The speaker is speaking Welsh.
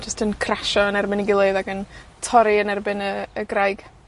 jyst yn crasio yn erbyn 'i gilydd ag yn torri yn erbyn y, y graig.